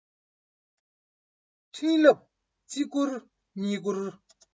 འཕྲིན ལབ གཅིག བསྐུར གཉིས བསྐུར